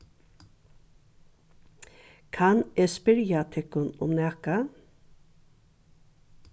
kann eg spyrja tykkum um nakað